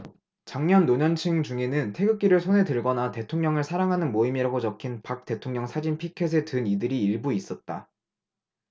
장년 노년층 중에는 태극기를 손에 들거나 대통령을 사랑하는 모임이라고 적힌 박 대통령 사진 피켓을 든 이들이 일부 있었다